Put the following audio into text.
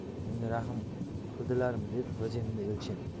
menga rahm qildilarmi deb g'ijindi elchin